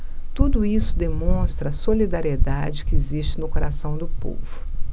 tudo isso demonstra a solidariedade que existe no coração do povo